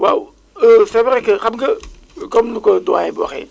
waaw c' est vrai que xam nga comme nu ko doyen bi waxee